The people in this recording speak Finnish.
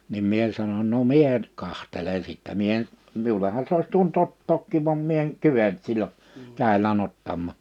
niin minä sanon no minä nyt katselen sitten minä en minullehan se olisi tuonut ottaakin vaan minä en kyennyt silloin kädelläni ottamaan